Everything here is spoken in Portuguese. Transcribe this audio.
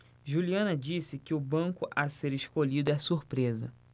juliana disse que o banco a ser escolhido é surpresa